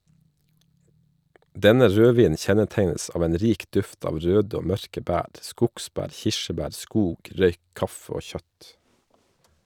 Denne rødvinen kjennetegnes av en rik duft av røde og mørke bær, skogsbær, kirsebær, skog, røyk, kaffe og kjøtt.